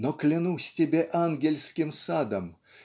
Но клянусь тебе ангельским садом